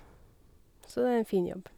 Så det er en fin jobb.